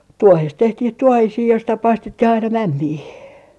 tuohesta tehtiin tuohisia joista - paistettiin aina mämmiä